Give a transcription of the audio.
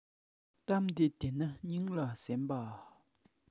གཏམ དེ བདེན ན སྙིང ལ གཟན པ